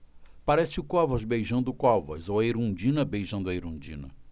parece o covas beijando o covas ou a erundina beijando a erundina